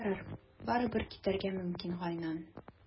Ярар, барыбер, китәргә мөмкин, Гайнан.